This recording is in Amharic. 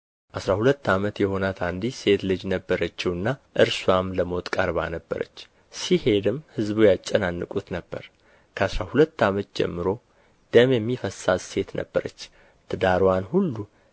አሥራ ሁለት ዓመት የሆናት አንዲት ሴት ልጅ ነበረችውና እርስዋም ለሞት ቀርባ ነበረች ሲሄድም ሕዝቡ ያጨናንቁት ነበር ከአሥራ ሁለት ዓመትም ጀምሮ ደም የሚፈሳት ሴት ነበረች ትዳርዋንም ሁሉ